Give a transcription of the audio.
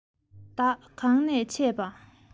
བདག གང ནས ཆས པ